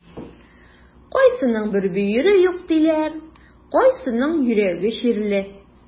Кайсының бер бөере юк диләр, кайсының йөрәге чирле.